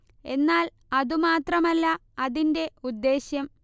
എന്നാൽ അതു മാത്രമല്ല അതിന്റെ ഉദ്ദേശ്യം